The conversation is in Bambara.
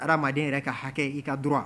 Adamaden yɛrɛ ka hakɛ i ka droit